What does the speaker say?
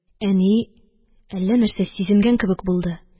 Әни әллә нәрсә сизенгән кебек булды